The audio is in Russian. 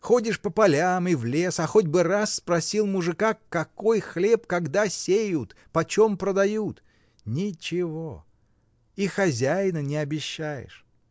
Ходишь по полям и в лес, а хоть бы раз спросил мужика, какой хлеб когда сеют, почем продают?. ничего! И хозяина не обещаешь!